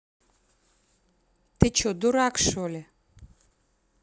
ты че дурак шоли